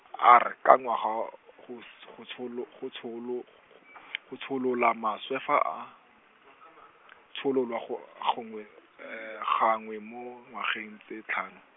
R ka ngwaga go s- go tsholo-, go tsholo- g- g- , go tshololwa maswe fa a, tshololwa go gongwe, gangwe mo ngwageng tse tlhano.